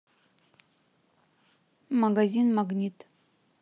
магазин магнит